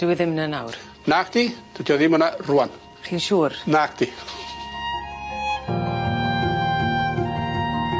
Dyw e ddim 'ny nawr? Nagdi dydi o ddim yna rŵan. Chi'n siŵr? Nagdi.